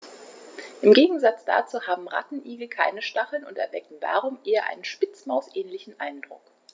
Im Gegensatz dazu haben Rattenigel keine Stacheln und erwecken darum einen eher Spitzmaus-ähnlichen Eindruck.